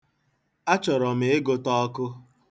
Achọrọ m ịgụta ọkụ.